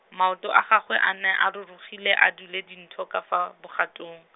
maoto a gagwe a ne a rurugile a dule dintho ka fa, bogatong.